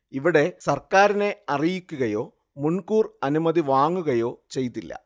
ഇവിടെ സർക്കാരിനെ അറിയിക്കുകയോ മുൻകൂർ അനുമതി വാങ്ങുകയോ ചെയ്തില്ല